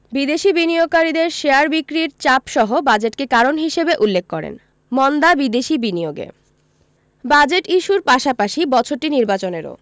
বিদেশি বিনিয়োগকারীদের শেয়ার বিক্রির চাপসহ বাজেটকে কারণ হিসেবে উল্লেখ করেন মন্দা বিদেশি বিনিয়োগে বাজেট ইস্যুর পাশাপাশি বছরটি নির্বাচনেরও